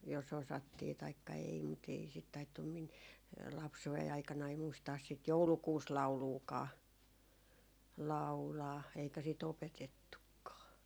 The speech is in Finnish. jos osattiin taikka ei mutta ei sitä taidettu minun lapsuuden aikanani muistaa sitä joulukuusilauluakaan laulaa eikä sitä opetettukaan